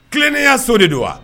Tilenneya so de don wa?